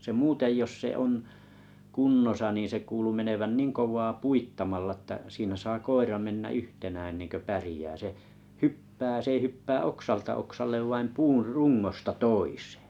se muuten jos se on kunnossa niin se kuului menevän niin kovaa puittamalla että siinä saa koira mennä yhtenään ennen kuin pärjää se hyppää se ei hyppää oksalta oksalle vaan puun rungosta toiseen